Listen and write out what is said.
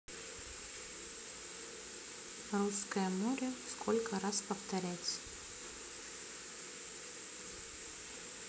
русское море сколько раз повторять